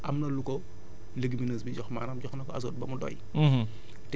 dèjà am na lu ko légumineuse bi jox maanaam jox na ko azote ba mu doy